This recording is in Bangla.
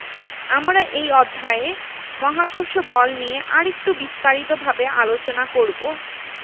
আমরা এই অধ্যায়ে মহাকর্ষ বল নিয়ে আরেকটু বিস্তারিতভাবে আলোচনা করব